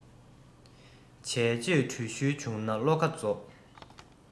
བྱས རྗེས དྲུད ཤུལ བྱུང ན བློ ཁ རྫོགས